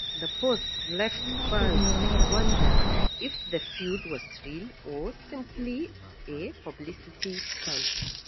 The post left fans to wonder if the feud was real or simply a publicity stunt: